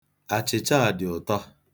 Achịcha a dị ụtọ.